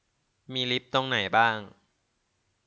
มีลิฟท์ตรงไหนบ้าง